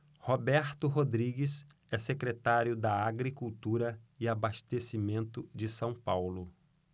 roberto rodrigues é secretário da agricultura e abastecimento de são paulo